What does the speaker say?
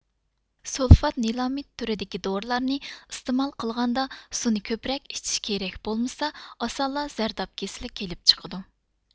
سۇلفادنىلامىد تۈرىدىكى دورىلارنى ئىستىمال قىلغاندا سۇنى كۆپرەك ئىچىش كېرەك بولمىسا ئاسانلا زەرداب كېسىلى كېلىپ چىقىدۇ